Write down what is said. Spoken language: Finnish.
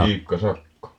Iikka Sakko